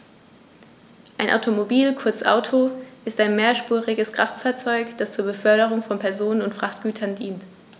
Ein Automobil, kurz Auto, ist ein mehrspuriges Kraftfahrzeug, das zur Beförderung von Personen und Frachtgütern dient.